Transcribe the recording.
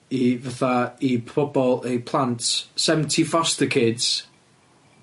i fatha i pobol 'eu plant seventy foster kids